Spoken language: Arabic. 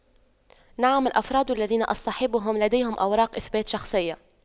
نعم الأفراد الذين اصطحبهم لديهم أوراق اثبات شخصية